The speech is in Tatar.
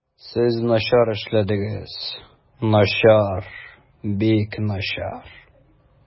Сез начар эшләдегез, начар, бик начар.